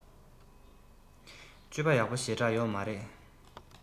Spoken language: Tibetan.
སྤྱོད པ ཡག པོ ཞེ དྲགས ཡོད མ རེད